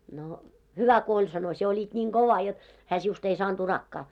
no hyvä kun oli sanoi sinä olit niin kova jotta hän sinusta ei saanut urakkaa